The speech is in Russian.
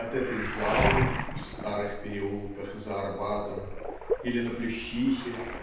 от этой залы "в старых переулках за Арбатом" или на Плющихе